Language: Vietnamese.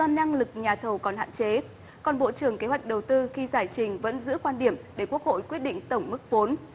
do năng lực nhà thầu còn hạn chế còn bộ trưởng kế hoạch đầu tư khi giải trình vẫn giữ quan điểm để quốc hội quyết định tổng mức vốn